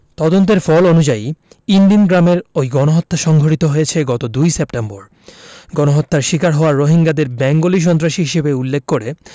তদন্তের ফল অনুযায়ী ইনদিন গ্রামের ওই গণহত্যা সংঘটিত হয়েছে গত ২ সেপ্টেম্বর গণহত্যার শিকার হওয়া রোহিঙ্গাদের বেঙ্গলি সন্ত্রাসী হিসেবে উল্লেখ করে